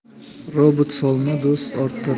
rabot solma do'st orttir